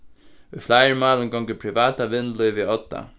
í fleiri málum gongur privata vinnulívið á odda